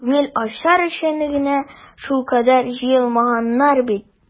Күңел ачар өчен генә шулкадәр җыелмаганнар бит.